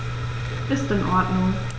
Ist in Ordnung.